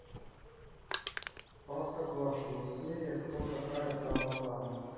простоквашино серия кто такая тама тама